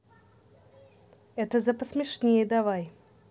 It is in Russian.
это за посмешнее давай